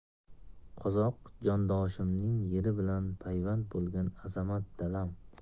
qozoq jondoshimning yeri bilan payvand bo'lgan azamat dalam